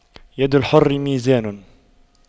يد الحر ميزان